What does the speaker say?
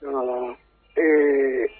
Naamu ɛɛ